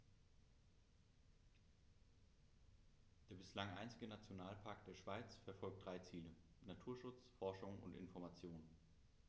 Der bislang einzige Nationalpark der Schweiz verfolgt drei Ziele: Naturschutz, Forschung und Information.